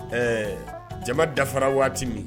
Ɛɛ jama dafara waati min